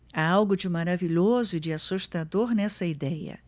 há algo de maravilhoso e de assustador nessa idéia